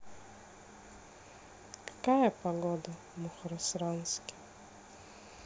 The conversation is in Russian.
какая погода в мухосранске